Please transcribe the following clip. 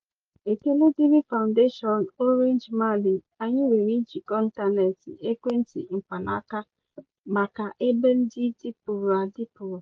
Ekele dịrị Fondation Orange Mali, anyị nwere njịkọ ịntanentị ekwentị mkpanaka maka ebe ndị dịpụrụ adịpụ.